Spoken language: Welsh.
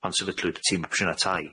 pan sefydlwyd y tîm opsiyna' tai.